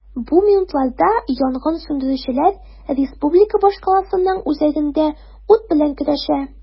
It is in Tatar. Бу минутларда янгын сүндерүчеләр республика башкаласының үзәгендә ут белән көрәшә.